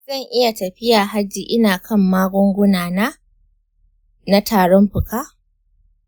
zan iya tafiya hajji ina kan magunguna na tarin fuka?